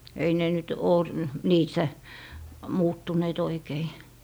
ei ne nyt ole niissä muuttuneet oikein